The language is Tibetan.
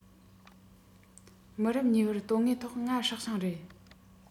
མི རབས གཉིས པར དོན དངོས ཐོག ང སྲོག ཤིང རེད